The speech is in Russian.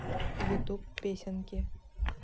ютуб песенки